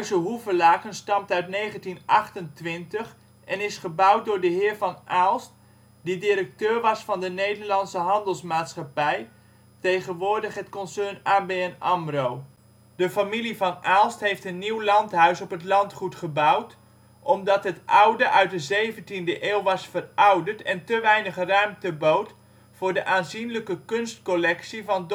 Hoevelaken stamt uit 1928 en is gebouwd door de Heer van Aalst die directeur was van de Nederlandse Handelsmaatschappij, tegenwoordig ABN AMRO-concern. De familie van Aalst heeft een nieuw landhuis op het landgoed gebouwd, omdat het oude uit de zeventiende eeuw was verouderd en te weinig ruimte bood voor de aanzienlijke kunstcollectie van